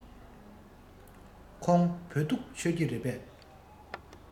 ཁོང བོད ཐུག མཆོད ཀྱི རེད པས